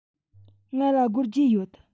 ང ལ སྒོར བརྒྱད ཡོད